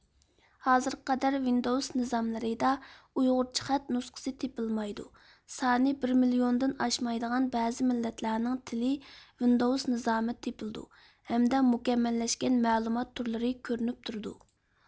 ھازىرغا قەدەر ۋىندوۋۇس نىزاملىرىدا ئۇيغۇرچە خەت نۇسخىسى تېپىلمايدۇ سانى بىر مىليوندىن ئاشمايدىغان بەزى مىللەتلەرنىڭ تىلى ۋىندوۋۇس نىزامىدا تېپىلىدۇ ھەمدە مۇكەممەللەشكەن مەلۇمات تورلىرى كۆرۈنۈپ تۇرىدۇ